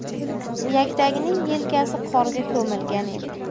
yaktagining yelkasi qorga ko'milgan edi